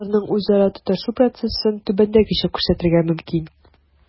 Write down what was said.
Аларның үзара тоташу процессын түбәндәгечә күрсәтергә мөмкин: